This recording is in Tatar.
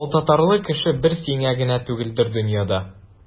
Алтатарлы кеше бер син генә түгелдер дөньяда.